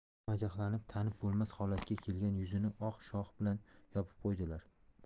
majaqlanib tanib bo'lmas holatga kelgan yuzini oq shohi bilan yopib qo'ydilar